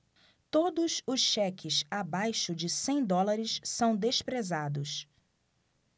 todos os cheques abaixo de cem dólares são desprezados